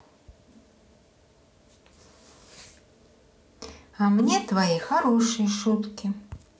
а мне твои хорошие шутки